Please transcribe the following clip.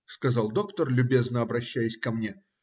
сказал доктор, любезно обращаясь ко мне,